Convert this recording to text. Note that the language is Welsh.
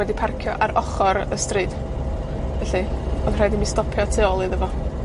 wedi parcio ar ochor y stryd, felly, odd rhaid i mi stopio tu ôl iddo fo.